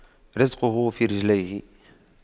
رِزْقُه في رجليه